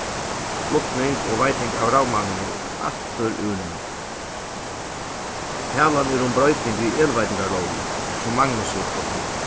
flutning og veiting av ravmagni aftur úr nevnd talan er um broyting í elveitingarlógini sum magnus hevur skotið upp